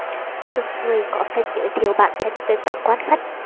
từng người có phần giới thiệu bản thân với các quan khách